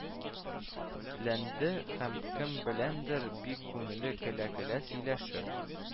Ләнде һәм кем беләндер бик күңелле көлә-көлә сөйләшеп